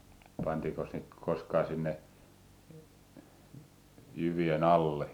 pantiinkos niitä koskaan sinne jyvien alle